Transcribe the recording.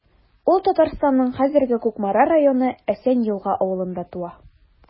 Ул Татарстанның хәзерге Кукмара районы Әсән Елга авылында туа.